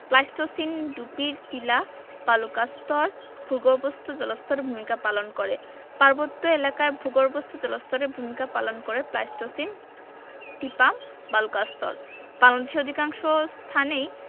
Pleistocene Dupi Tila বালুকাস্তর ভূগর্ভস্থ জলস্তরের ভূমিকা পালন করে পার্বত্য এলাকায় ভূগর্ভস্থ জলস্তরের ভূমিকা পালন করে প্লাইসটোসিন টিপাম বালুকাস্তর বাংলাদেশের অধিকাংশ স্থানেই